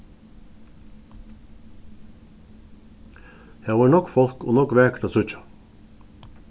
har var nógv fólk og nógv vakurt at síggja